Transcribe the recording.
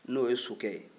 n'o ye sokɛ ye